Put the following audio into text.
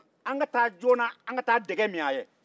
an ka taa jona an ka taa dɛgɛ min a ye